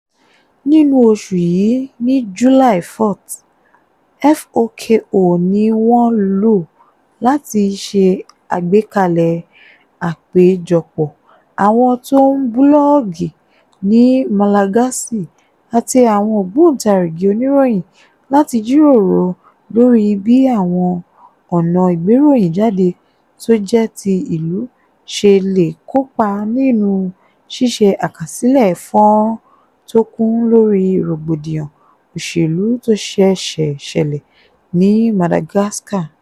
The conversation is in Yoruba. Nínú oṣù yìí (ní July 4th) FOKO ni wọ́n lò láti ṣe àgbékalẹ̀ àpéjọpọ̀ àwọn tó ń búlọọ̀gù ní Malagasy àti àwọn ògbóntarigì onìroyìn láti jíròrò lórí bí àwọn ọ̀nà ìgbéròyìn jáde tó jẹ̀ ti ìlú ṣe lè kópa nínu ṣíṣe àkásilẹ̀ fọ́nran tó kún lóri rógbòdìyàn òṣèlú tó ṣẹ̀ṣẹ̀ ṣẹlẹ ní Madagascar.